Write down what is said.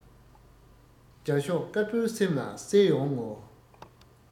རྒྱ ཤོག དཀར པོའི སེམས ལ གསལ ཡོང ངོ